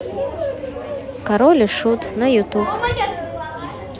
король и шут на ютуб